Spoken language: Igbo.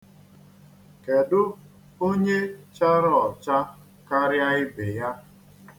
Kedu onye chara ọcha karịa ibe ya?